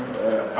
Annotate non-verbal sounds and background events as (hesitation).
(hesitation)